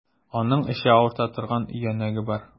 Аның эче авырта торган өянәге бар.